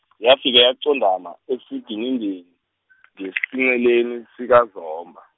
yafike yaqondama esiginindeni , ngesinceleni sikaZomba.